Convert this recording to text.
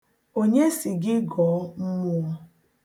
Onye sị gị gọọ mmụọ?